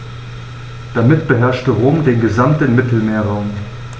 Damit beherrschte Rom den gesamten Mittelmeerraum.